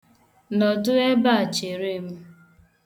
Nọdụ ebe a chere m.